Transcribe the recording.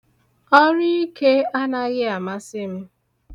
Ọrụ ike anaghị amasị m.